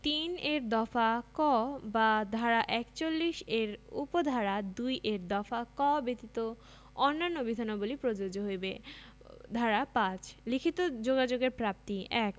৩ এর দফা ক বা ধারা ৪১ এর উপ ধারা ২ এর দফা ক ব্যতীত অন্যান্য বিধানাবলী প্রযোজ্য হইবে ধারা ৫ লিখিত যোগাযোগের প্রাপ্তিঃ ১